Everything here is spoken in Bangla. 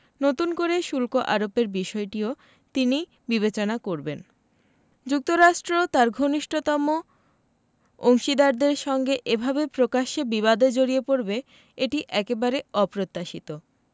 নতুন করে শুল্ক আরোপের বিষয়টিও তিনি বিবেচনা করবেন যুক্তরাষ্ট্র তার ঘনিষ্ঠতম অংশীদারদের সঙ্গে এভাবে প্রকাশ্যে বিবাদে জড়িয়ে পড়বে এটি একেবারে অপ্রত্যাশিত